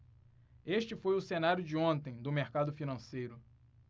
este foi o cenário de ontem do mercado financeiro